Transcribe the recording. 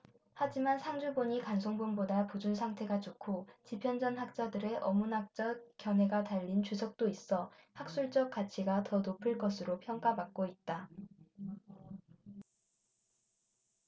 하지만 상주본이 간송본보다 보존 상태가 좋고 집현전 학자들의 어문학적 견해가 달린 주석도 있어 학술적 가치가 더 높을 것으로 평가받고 있다